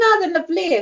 Na odd e'n lyfli.